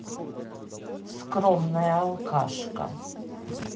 скромная алкашка